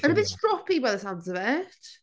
And a bit stroppy by the sounds of it.